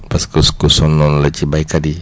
parce que ku sonnoon la ci béykat yi